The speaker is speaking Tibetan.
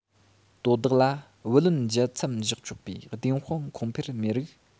དོ བདག ལ བུ ལོན འཇལ མཚམས བཞག ཆོག པའི བདེན དཔང ཁུངས འཕེར མེད རིགས